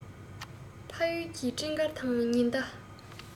ཕ ཡུལ གྱི སྤྲིན དཀར དང ཉི ཟླ